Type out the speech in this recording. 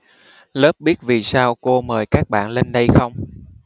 lớp biết vì sao cô mời các bạn lên đây không